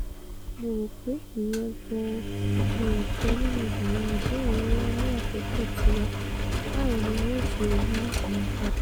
Mo ròpé ìyẹn gan-an ni ọ̀kan nínú àwọn ìbéèrè ńlá ní àkókò tiwa - báwo ni a ó ṣe yí ìyẹn padà?